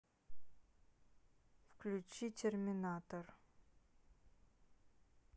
включи терминатор